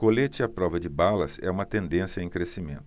colete à prova de balas é uma tendência em crescimento